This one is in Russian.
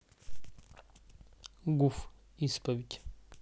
гуф исповедь